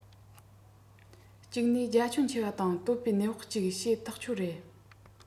གཅིག ནས རྒྱ ཁྱོན ཆེ བ དང སྟོད བའི ནད བག ཅིག བཤད ཐག ཆོད རེད